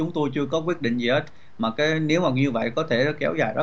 chúng tôi chưa có quyết định gì hết mà cái nếu là như vậy có thể nó kéo dài